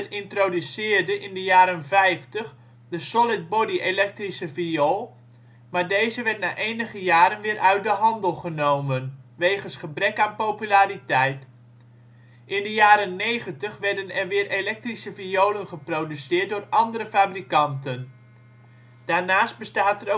introduceerde in de jaren vijftig de solid body elektrische viool, maar deze werd na enige jaren weer uit de handel genomen wegens gebrek aan populariteit. In de jaren negentig werden er weer elektrische violen geproduceerd door andere fabrikanten. Daarnaast bestaat